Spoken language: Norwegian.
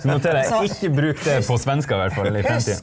så noterer jeg ikke bruk det på svensker i hvert fall i fremtida.